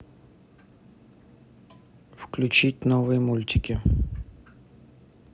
включить новые мультики